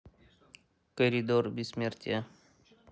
коридор бессмертия